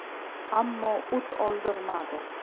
ammo o't oldirmadi